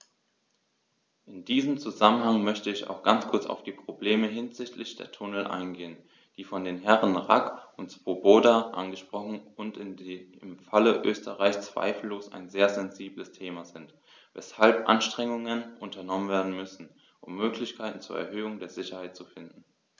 In diesem Zusammenhang möchte ich auch ganz kurz auf die Probleme hinsichtlich der Tunnel eingehen, die von den Herren Rack und Swoboda angesprochen wurden und die im Falle Österreichs zweifellos ein sehr sensibles Thema sind, weshalb Anstrengungen unternommen werden müssen, um Möglichkeiten zur Erhöhung der Sicherheit zu finden.